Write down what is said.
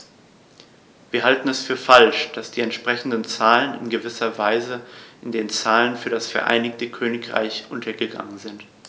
Wir halten es für falsch, dass die entsprechenden Zahlen in gewisser Weise in den Zahlen für das Vereinigte Königreich untergegangen sind.